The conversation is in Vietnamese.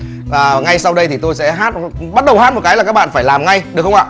à ngay sau đây thì tôi sẽ hát bắt đầu hát một cái là các bạn phải làm ngay được không ạ